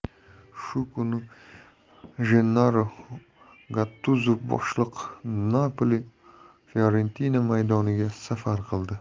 shu kuni jennaro gattuzo boshliq napoli fiorentina maydoniga safar qildi